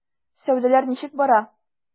Сәүдәләр ничек бара?